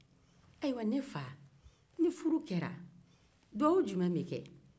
ne fa ni furu dugawu jumɛn bɛ kɛ